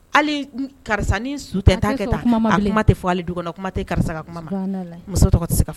Hali karisa ni su tɛ tan taa kuma hali tɛ fɔ ale du kɔnɔ kuma tɛ karisa ka kuma muso tɔgɔ tɛ se